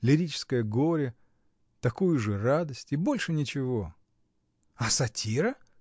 лирическое горе, такую же радость — и больше ничего. — А сатира?